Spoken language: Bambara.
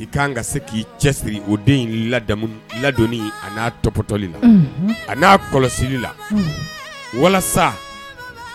I kan ka se k'i cɛ siri o den in ladamu ladonnin a n'a tɔkɔtɔli la unhun a n'a kɔlɔsili la unhun walasa